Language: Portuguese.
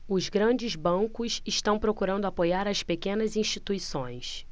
os grandes bancos estão procurando apoiar as pequenas instituições